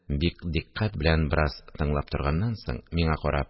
Бик дикъкать белән бераз тыңлап торганнан соң, миңа карап